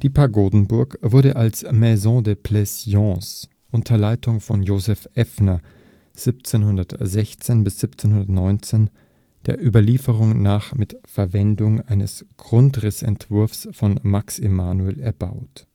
Pagodenburg wurde als maison de plaisance unter Leitung von Joseph Effner 1716 bis 1719 der Überlieferung nach mit Verwendung eines Grundrissentwurfs von Max Emanuel erbaut